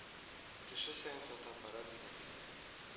Кеше саен фотоаппарат, дигәндәй